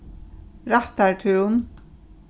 rættartún